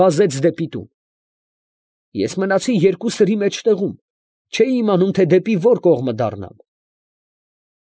Վազեց դեպի տուն։ Ես մնացի երկու սրի մեջտեղում, չէի իմանում, դեպի ո՜ր կողմը դառնամ։